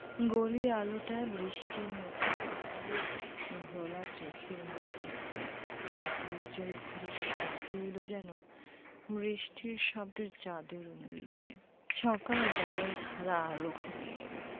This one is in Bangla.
গলির আলোটা বৃষ্টির মধ্যে মাতালের ঘোলা চোখের মত দেখতে আর গির্জ্জের ঘড়ির শব্দ এল যেন বৃষ্টির শব্দের চাদর মুড়ি দিয়ে সকালে জলের ধারা আরো ঘনিয়ে এল